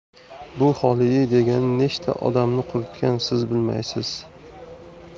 bu xolidiy degani nechta odamni quritgan siz bilmaysiz